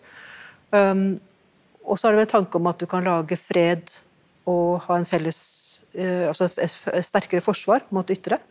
også er det vel en tanke om at du kan lage fred og ha en felles altså sterkere forsvar mot ytre.